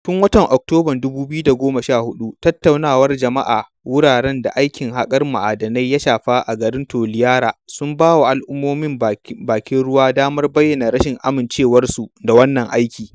Tun watan Oktoban 2014, tattaunawar jama’a a wuraren da aikin haƙar ma’adinai ya shafa a garin Toliara sun bawa al’ummomin bakin ruwa damar bayyana rashin amincewarsu da wannan aikin.